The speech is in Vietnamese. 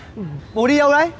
bố đi đâu đấy